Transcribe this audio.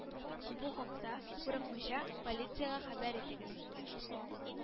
Бу хакта, курыкмыйча, полициягә хәбәр итегез: